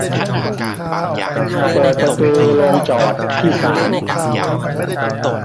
เปิดประตูโรงจอดที่สาม